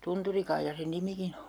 Tunturikaija sen nimikin on